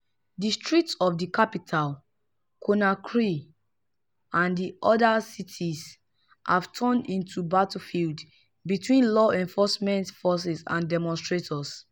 The streets of the capital, Conakry, and other cities have turned into battlefields between law enforcement forces and demonstrators.